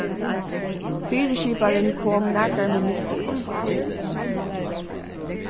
fyriskiparin kom nakrar minuttir ov seint